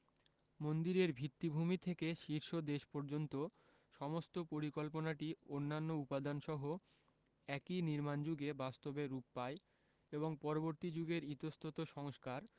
মন্দিরের ভিত্তিভূমি থেকে শীর্ষদেশ পর্যন্ত সমস্ত পরিকল্পনাটি অন্যান্য উপাদানসহ একই নির্মাণযুগে বাস্তবে রূপ পায় এবং পরবর্তী যুগের ইতস্তত সংস্কার